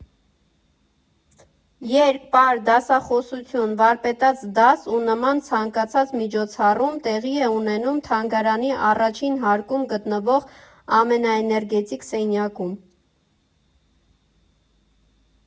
Երգ, պար, դասախոսություն, վարպետաց դաս ու նման ցանկացած միջոցառում տեղի է ունենում թանգարանի առաջին հարկում գտնվող ամենաէներգետիկ սենյակում։